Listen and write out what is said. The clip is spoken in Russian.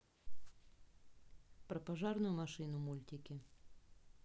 про пожарную машину мультики